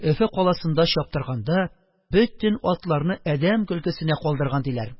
Өфе каласында чаптырганда, бөтен атларны адәм көлкесенә калдырган, диләр.